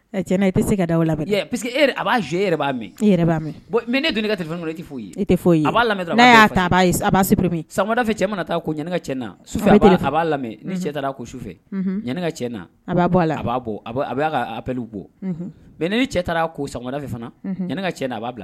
I tɛ se ka da labɛnseke a b'a e yɛrɛ b'a mɛn e b'a ne dun ne ka tɛ fɛnkolon tɛ f'o ye e tɛ b'a y'a'a ye abi sadafɛ cɛ mana taa ko ɲka cɛ sufɛ a b'a la ni cɛ taara ko sufɛ ɲka cɛ na a b'a bɔ a la a b'a a'a ka ap bɔ bɛn ne ni cɛ taara ko sadafɛ fana ɲ ka cɛɲɛna b'a bila